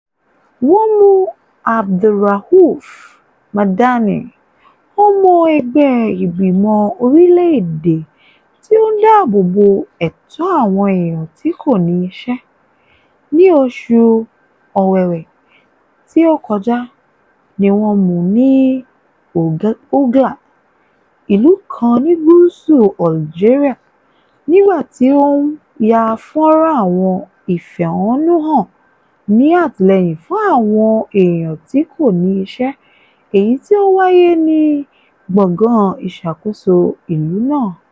Wọ́n mú Abderaouf Madani, ọmọ ẹgbẹ́ ìgbìmọ̀ orílẹ̀-èdè tí ó ń dáàbò bo ẹ̀tọ́ àwọn èèyàn tí kò ní iṣẹ́, ní oṣù Ọ̀wẹ̀wẹ̀ tí ó kọjá ní wọ́n mu ní Ouargla, ìlú kan ní gúúsù Algeria, nígbà tí ó ń ya fọ́nràn àwọn ìfẹ̀hónúhàn ní àtìlẹ́yìn fún àwọn èèyàn tí kò ní iṣẹ́ èyí tí ó wáyé ní gbọ̀ngán ìṣàkóso ìlú náà.